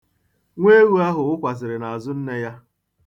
Nwa ewu ahụ wụkwasịrị n'azụ nne ya.